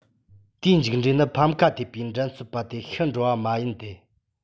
དེའི མཇུག འབྲས ནི ཕམ ཁ ཐེབས པའི འགྲན རྩོད པ དེ ཤི འགྲོ བ མ ཡིན ཏེ